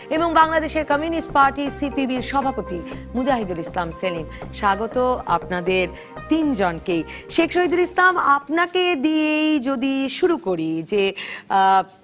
এবং Bangladesh communist party সিপিবির সভাপতি মুজাহিদুল ইসলাম সেলিম স্বাগত আপনাদের তিনজনকেই শেখ শহিদুল ইসলাম আপনাকে দিয়েই যদি শুরু করি যে